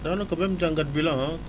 daanaka même jàngat bi la ah